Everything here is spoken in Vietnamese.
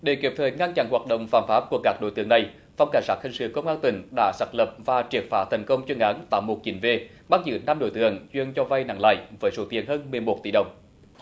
để kịp thời ngăn chặn hoạt động phạm pháp của các đối tượng này phòng cảnh sát hình sự công an tỉnh đã xác lập và triệt phá thành công chuyên án tám một chín vê bắt giữ năm đối tượng chuyên cho vay nặng lãi với số tiền hơn mười một tỷ đồng